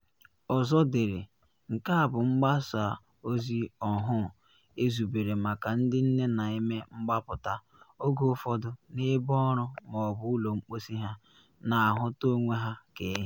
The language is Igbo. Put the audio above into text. Ọzọ dere: “Nke a bụ mgbasa ozi ọhụụ ezubere maka ndi nne na eme mgbapụta (oge ụfọdụ n’ebe ọrụ ma ọ bụ ụlọ mposi ha) na ahụta onwe ha ka “ehi.”